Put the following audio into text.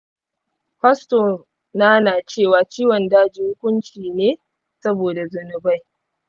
fastona na cewa ciwon daji hukunci ne saboda zunubai.